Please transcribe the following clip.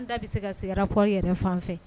An da bɛ se ka sigi pɔɔri yɛrɛ fan fɛ